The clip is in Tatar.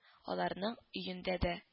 Аларның өендә дә